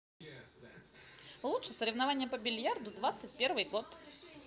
лучше соревнования по бильярду двадцать первый год